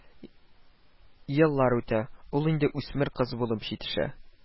Еллар үтә, ул инде үсмер кыз булып җитешә